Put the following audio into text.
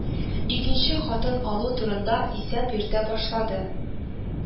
Икенче хатын алу турында исәп йөртә башлады